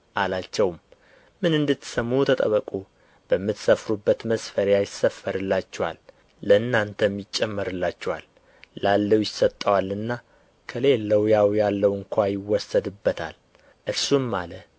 አላቸውም ምን እንድትሰሙ ተጠበቁ በምትሰፍሩበት መስፈሪያ ይሰፈርላችኋል ለእናንተም ይጨመርላችኋል ላለው ይሰጠዋልና ከሌለውም ያው ያለው እንኳ ይወሰድበታል እርሱም አለ